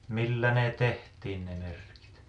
millä ne tehtiin ne merkit